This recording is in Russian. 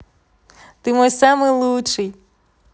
ты мой самый лучший